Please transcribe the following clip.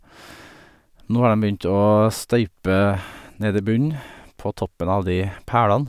Nå har dem begynt å støype nedi bunn, på toppen av de pælene.